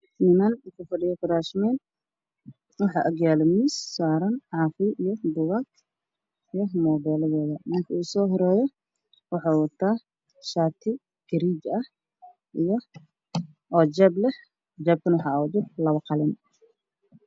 Waa meel masaajid waana labo xabo mid waa cadaan midna waa weynta Spain is a